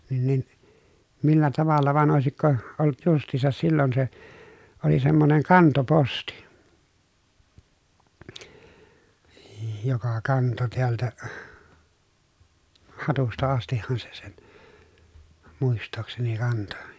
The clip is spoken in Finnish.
niin niin millä tavalla vaan olisiko ollut justiinsa silloin se oli semmoinen kantoposti - joka kantoi täältä Hatusta astihan se sen muistaakseni kantoi